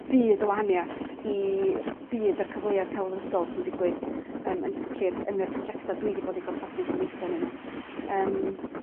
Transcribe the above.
byd y wahaniath i rh- byd a'r cyfleoedd celfyddydol sy'n digwydd yym yn sicir yn yr projecta dwi 'di bod digon fodus i weithio annyn n'w yym.